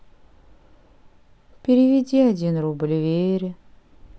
переведи один рубль вере